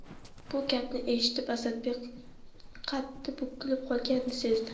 bu gapni eshitib asadbek qaddi bukilib qolganini sezdi